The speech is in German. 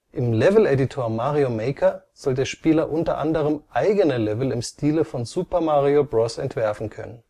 Im Leveleditor Mario Maker (Wii U, 2015) soll der Spieler unter anderem eigene Level im Stile von Super Mario Bros. entwerfen können